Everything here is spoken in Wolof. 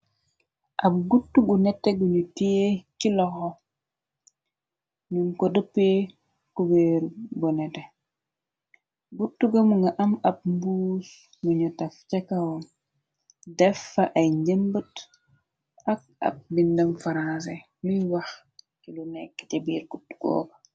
Ab gut gu nette gu ñu tee ci loxo num ko dëppee kubeer bu nete gutu gamu nga am ab mbuus muñu taf ca kaoon deffa ay njëmbat ak ab bindam faransaiis luy wax kilu nekk te biir gut googo.